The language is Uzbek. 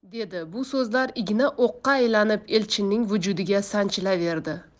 dedi bu so'zlar igna o'qqa aylanib elchinning vujudiga sanchilaverdi